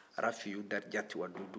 rafiyu dadjatu wa dudu